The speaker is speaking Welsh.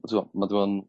t'wo mo 'di bod yn